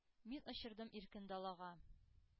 Мин очырдым иркен далага.